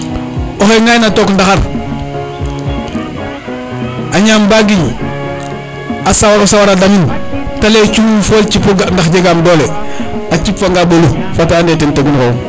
oxe ngaan na took ndaxar a ñam ba giña sawar o sawara damin te leye cungoi im fool cipu ndax jegam dole a cipwanga ɓolu fata nade ten tegun xoxum